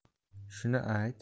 shuni ayt